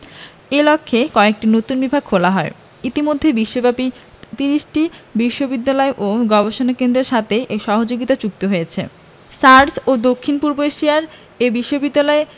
এ লক্ষ্যে কয়েকটি নতুন বিভাগ খোলা হয় ইতোমধ্যে বিশ্বব্যাপী ত্রিশটি বিশ্ববিদ্যালয় ও গবেষণা কেন্দ্রের সাথে এর সহযোগিতা চুক্তি হয়েছে SAARC ও দক্ষিণ পূর্ব এশিয়ায় এ বিশ্ববিদ্যালয়ে